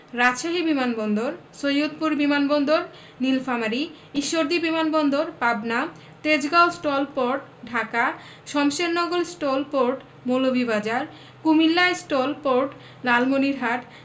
রাজশাহী বিমান বন্দর সৈয়দপুর বিমান বন্দর নিলফামারী ঈশ্বরদী বিমান বন্দর Pabna Tejgaon stol port Dhaka Shamsernagar stol port Moulvibazar Comilla stol port Lalmonirhat